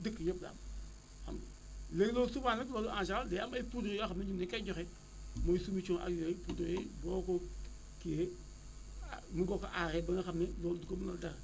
dëkk yëpp daal xam nga léegi loolu souvent nag loolu en général day am ay poudres yoo xam ne ñun ñu ngi koy joxe mooy solution ak yooyu yooyu boo ko kiiyee ah mën nga ko aaree ba nga xam ne loolu du ko mënal dara